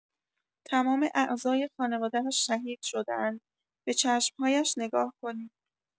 تمام اعضای خانواده‌اش شهید شده‌اند، به چشم‌هایش نگاه کنید!